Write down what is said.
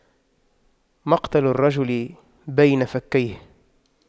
مقتل الرجل بين فكيه